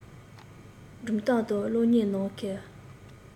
སྒྲུང གཏམ དང གློག བརྙན ནང གི